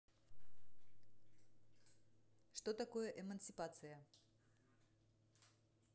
что такое эмансипация